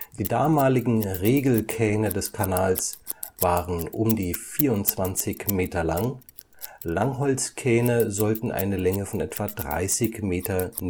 Die damaligen Regelkähne des Kanals waren um die 24 Meter (80 bis 84 Fuß) lang, Langholzkähne sollten eine Länge von etwa 30 Meter